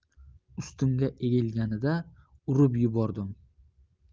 ustimga egilganida urib yubordim